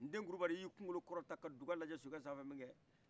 nden kulubali ye i kunkolo kɔrɔta ka duga lajɛ min kɛ